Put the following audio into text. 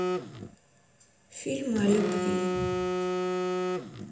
фильмы о любви